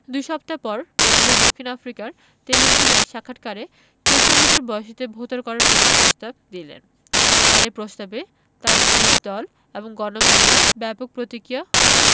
দুই সপ্তাহ পর ম্যান্ডেলা দক্ষিণ আফ্রিকার টেলিভিশনে এক সাক্ষাৎকারে ১৪ বছর বয়সীদের ভোটার করার পক্ষে প্রস্তাব দিলেন তাঁর এ প্রস্তাবে তাঁর নিজ দল এবং গণমাধ্যমে ব্যাপক প্রতিক্রিয়া হলো